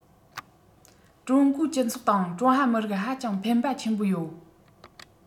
ཀྲུང གོའི སྤྱི ཚོགས དང ཀྲུང ཧྭ མི རིགས ཧ ཅང ཕན པ ཆེན པོ ཡོད